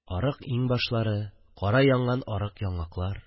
Арык иңбашлар, кара янган арык яңаклар